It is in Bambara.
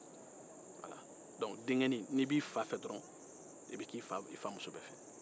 ni denkɛnin b'i fa fɛ dɔrɔn i bɛ kɛ a muso bɛɛ fɛ